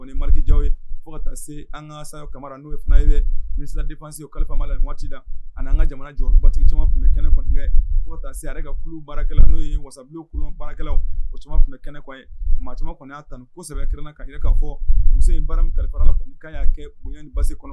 Maririke ja ye fo ka se an ka sa kamara n'o ye fana ye misisadifasi kalifa ma la waatitida ani an ka jamana jɔ batigi caman tun bɛ kɛnɛkɛ fo kata se kulu baarakɛ n'o ye wasa baarakɛlaw o caman bɛ kɛnɛ ye maa caman'a tasɛbɛbɛ kelenna'a jira k'a fɔ muso in baara min kalifa la kɔni'a y'a kɛ bonya basi kɔnɔ